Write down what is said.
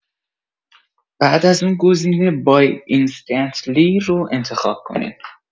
بعد از اون گزینه Buy instantly رو انتخاب کنین.